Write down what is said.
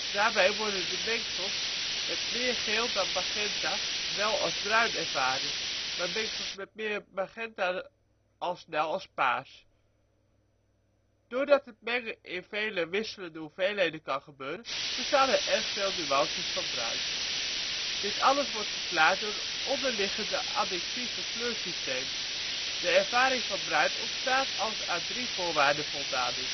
Daarbij worden de mengsels met meer geel dan magenta wél als bruin ervaren, maar mengsels met meer magenta al snel als paars. Doordat het mengen in vele wisselende hoeveelheden kan gebeuren, bestaan er erg veel nuances van bruin. Dit alles wordt verklaard door het onderliggende additieve kleursysteem. De ervaring van bruin ontstaat als aan drie voorwaarden